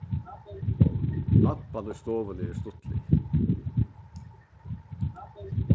lampan í stovuni er stuttlig